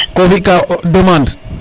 ko fi ka demande